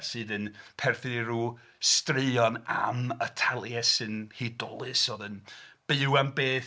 ..sydd yn perthyn i ryw straeon am y Taliesin hudolus oedd yn byw am byth...